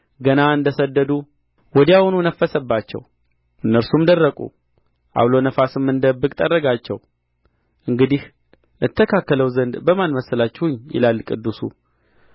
ገና እንደ ተተከሉና እንደ ተዘሩ በምድርም ሥር ገና እንደ ሰደዱ ወዲያውኑ ነፈሰባቸው እነርሱም ደረቁ ዐውሎ ነፋስም እንደ እብቅ ጠረጋቸው እንግዲህ እተካከለው ዘንድ በማን መሰላችሁኝ ይላል ቅዱሱ